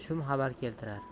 shum xabar keltirar